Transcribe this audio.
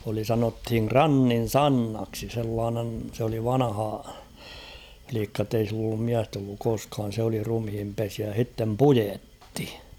oli sanottiin Krannin Sannaksi sellainen se oli vanhalikka että ei sillä ollut miestä ollut koskaan se oli ruumiinpesijä ja sitten puetti